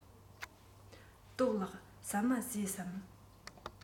སྟོབས ལགས ཟ མ ཟོས སམ